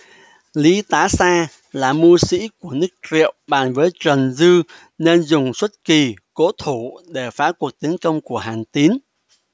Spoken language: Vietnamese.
lý tá xa là mưu sĩ của nước triệu bàn với trần dư nên dùng xuất kỳ cố thủ để phá cuộc tiến công của hàn tín